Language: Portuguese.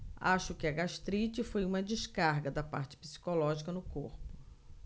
acho que a gastrite foi uma descarga da parte psicológica no corpo